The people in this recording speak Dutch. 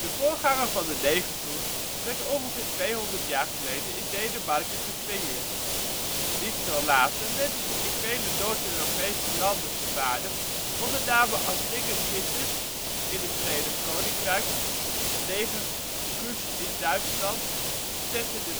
voorganger van de negerzoen werd ongeveer 200 jaar geleden in Denemarken gecreëerd. Niet veel later werden ze in vele Noord-Europese landen vervaardigd onder namen als " Niggerkisses " in het Verenigd Koninkrijk, " Negerkuss " in Duitsland, " Tête de